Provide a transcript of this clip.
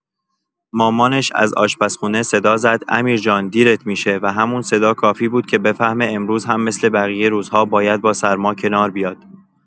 مامانش از آشپزخونه صدا زد «امیر جان دیرت می‌شه»، و همون صدا کافی بود که بفهمه امروز هم مثل بقیه روزا باید با سرما کنار بیاد.